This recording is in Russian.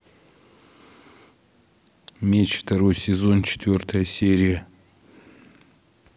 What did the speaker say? меч второй сезон четвертая серия